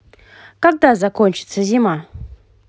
когда закончится зима